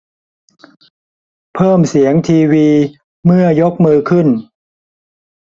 เพิ่มเสียงทีวีเมื่อยกมือขึ้น